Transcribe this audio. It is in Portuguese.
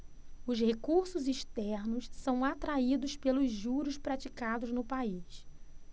os recursos externos são atraídos pelos juros praticados no país